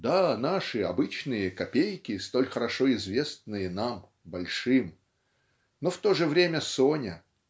да, наши обычные копейки, столь хорошо известные нам, большим. Но в то же время Соня